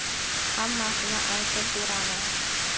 hammasini aytib beraman